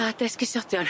Ca' dy esgusodion.